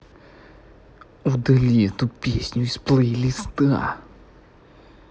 удали эту песню из плейлиста